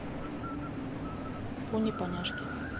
пони поняшки